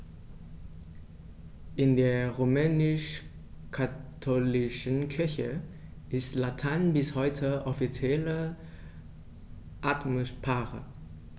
In der römisch-katholischen Kirche ist Latein bis heute offizielle Amtssprache.